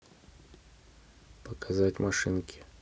показать машинки